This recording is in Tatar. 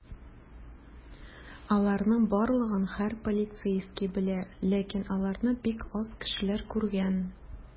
Аларның барлыгын һәр полицейский белә, ләкин аларны бик аз кешеләр күргән.